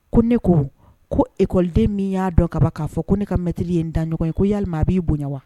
Ko ne ko ko ekɔden min y'a dɔn ka bɔ k'a fɔ ko ne ka mɛtieli ye daɲɔgɔn ye ko yalilima a b'i bonya wa